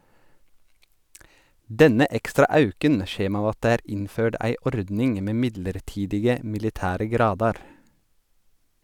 Denne ekstra auken kjem av at det er innførd ei ordning med midlertidige militære gradar.